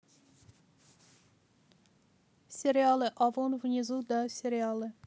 сериалы а вон внизу да сериалы